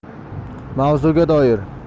mavzuga doir